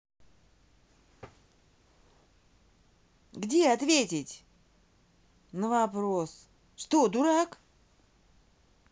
как ответить на вопрос что дурак